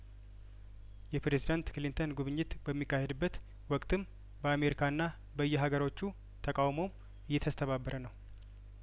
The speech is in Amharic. የፕሬዝዳንት ክሊንተን ጉብኝት በሚካሄበት ወቅትም በአሜሪካና በየሀገሮቹ ተቃውሞው እየተስተባበረ ነው